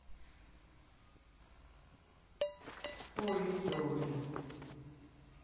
ой сори